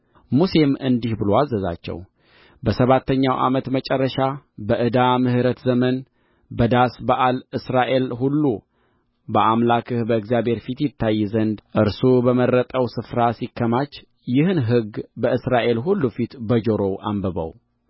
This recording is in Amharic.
ሙሴም እንዲህ ብሎ አዘዛቸው በሰባተኛው ዓመት መጨረሻ በዕዳ ምሕረት ዘመን በዳስ በዓል እስራኤል ሁሉ በአምላክህ በእግዚአብሔር ፊት ይታይ ዘንድ እርሱ በመረጠው ስፍራ ሲከማች ይህን ሕግ በእስራኤል ሁሉ ፊት በጆሮው አንብበው